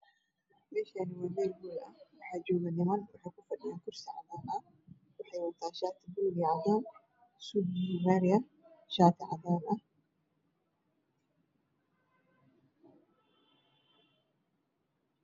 Meshani waa meel hool ah waxa jooga niman waxay ku fadhiyaan kursi cadana ah waxey wataan shati cadana aha suud aoluug mari aha shaati cadaana ah